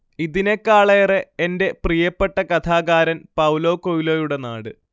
ഇതിനേക്കാളേറെ എന്റെ പ്രിയപ്പെട്ട കഥാകാരൻ പൌലോ കൊയ്ലോയുടെ നാട്